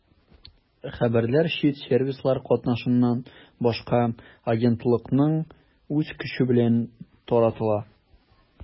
Хәбәрләр чит сервислар катнашыннан башка агентлыкның үз көче белән таратыла.